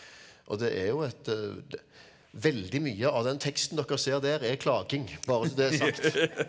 og det er jo et veldig mye av den teksten dere ser der er klaging bare så det er sagt.